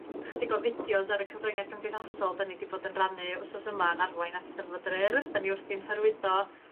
chydig o fideos ar y cyfryngau cymdeithasol 'dan ni 'di bod yn rannu wsos yma yn arwain at Steddfod yr Urdd, 'dan ni wrthi'n hyrwyddo